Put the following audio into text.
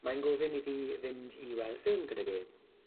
Mae'n gofyn iddi fynd i weld ffilm gydag ef,